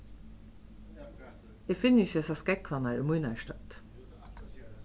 eg finni ikki hesar skógvarnar í mínari stødd